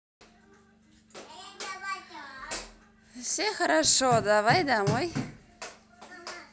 все хорошо давай домой